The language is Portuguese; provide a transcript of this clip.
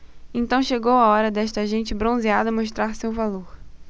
então chegou a hora desta gente bronzeada mostrar seu valor